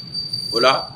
O la